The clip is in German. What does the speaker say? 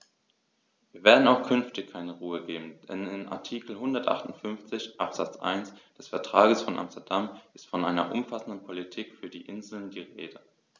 Wir werden auch künftig keine Ruhe geben, denn in Artikel 158 Absatz 1 des Vertrages von Amsterdam ist von einer umfassenden Politik für die Inseln die Rede.